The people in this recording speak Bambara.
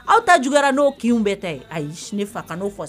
Aw ta juguyara n'o kin bɛɛ ta a fa kan n'o fa